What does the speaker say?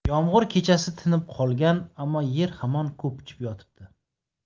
yomg'ir kechasi tinib qolgan ammo yer hamon ko'pchib yotibdi